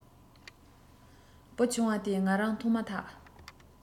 བུ ཆུང བ དེས ང རང མཐོང མ ཐག